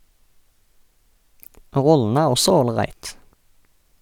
Rollene er også ålreit.